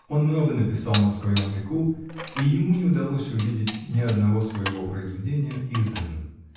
Он много написал на своем веку -- и ему не удалось увидеть ни одного своего произведения изданным